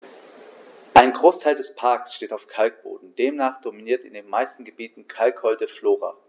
Ein Großteil des Parks steht auf Kalkboden, demnach dominiert in den meisten Gebieten kalkholde Flora.